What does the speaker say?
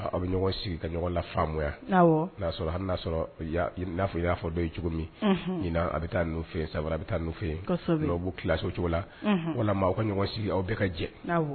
Aw bɛ sigi ka la faamuyaa sɔrɔ hali'a sɔrɔ'a fɔ i y'a fɔ dɔw cogo min a bɛ taa fɛ a bɛ taa n fɛ yen' kilaso cogo la walima aw ka ɲɔgɔn sigi aw bɛ ka jɛ